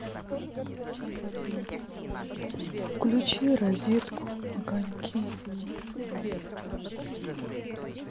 включи розетку огоньки